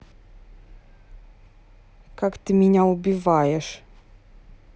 как ты меня убиваешь